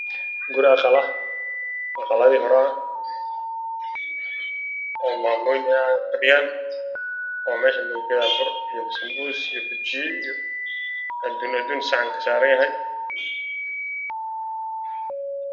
Guri aqal ah oo aqaladii hore ah oo maamooyin hor fadhiyaan